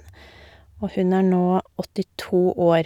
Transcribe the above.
Og hun er nå åttito år.